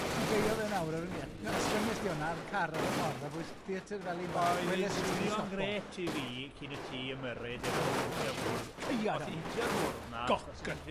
O, ti'n beio fe nawr a sgwennest di hwnna ar car ar y ffordd, ar bwys Theatr Felin Bach, grêt i fi cyn i ti ymyrryd efo dy hitio bwrdd,